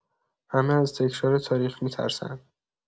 همه از تکرار تاریخ می‌ترسن.